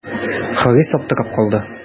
Харис аптырап калды.